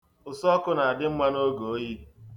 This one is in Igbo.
Ụsọọkụ na-adị mma n'oge oyi.